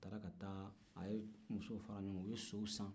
a taara musow fara ɲɔgɔn kan u ye sow san